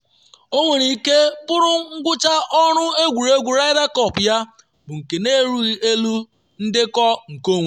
Ọ nwere ike bụrụ ngwucha ọrụ egwuregwu Ryder Cup ya bụ nke na-erughị elu ndekọ nkeonwe ya.